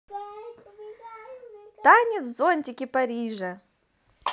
танец зонтики парижа